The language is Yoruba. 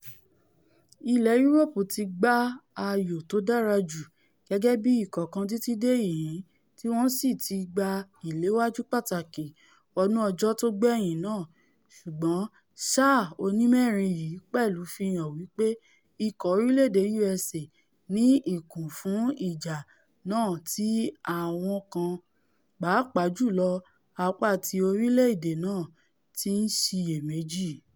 Ilẹ Yúróòpù ti gbá ayò tódàra ju gẹ́gẹ́bí ikọ̀ kan títí dé ìhín tí wọn sì tígba ìléwájú pàtàkí wọnú ọjọ́ tógbẹ̀yìn náà ṣùgbọn sáà onímẹ́rin yìí pẹ̀lú fihàn wí pé Ìkọ orílẹ̀-èdè USA ní ikùn fún ìjà náà tí àwọn kan, papàá jùlọ Apá-ti-orílẹ̀-èdè náà, ti ńsiyèméjì.